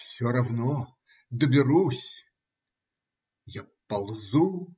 Все равно, доберусь. Я ползу.